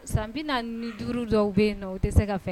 San bi na ni duuru dɔw bɛ yen na o tɛ se ka fɛ